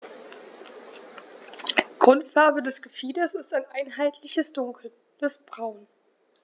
Grundfarbe des Gefieders ist ein einheitliches dunkles Braun.